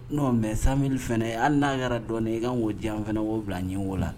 N'o mɛ sa miri fana an n'a yɛrɛ dɔn i ka wo diya an fana wo wolonwula ɲɛ wo la